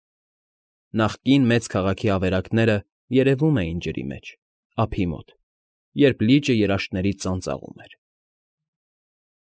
Նախկին մեծ քաղաքի ավերակները երևում էին ջրի մեջ, ափի մոտ, երբ լիճը երաշտներից ծանծաղում էր։